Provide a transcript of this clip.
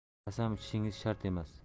qasam ichishingiz shart emas